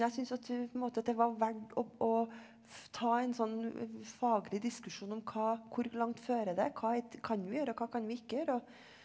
jeg synes at på en måte at det var verdt å å ta en sånn faglig diskusjon om hva hvor langt fører det, hva kan vi gjøre, hva kan vi ikke gjøre?